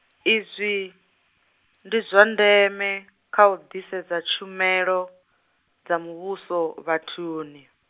izwi, ndi zwa ndeme, kha u ḓisedza tshumelo, dza muvhuso, vhathuni.